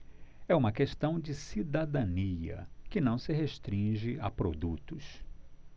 é uma questão de cidadania que não se restringe a produtos